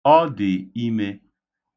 Ọ dị ime.